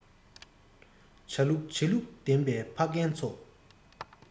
བྱ ལུགས བྱེད ལུགས ལྡན པའི ཕ རྒན ཚོ